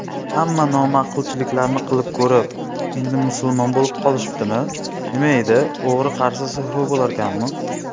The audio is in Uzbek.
hamma noma'qulchiliklarni qilib ko'rib endi musulmon bo'lib qolishibdimi nima edi o'g'ri qarisa so'fi bo'larkanmi